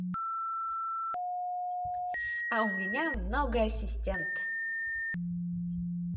а у меня много ассистент